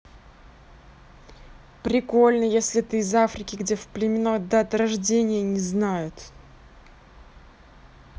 прикольно если ты из африки где в племенах дата рождения не знают